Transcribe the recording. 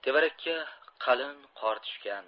tevarakka qalin qor tushgan